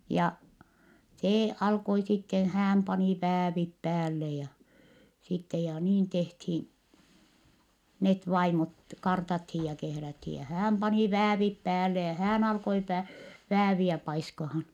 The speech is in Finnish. ja se alkoi sitten hän pani väävit päälle ja sitten ja niin tehtiin ne vaimot kartattiin ja kehrättiin ja hän pani väävit päälle ja hän alkoi - vääviä paiskaamaan